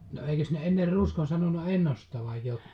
no eikös ne ennen ruskon sanonut ennustavan -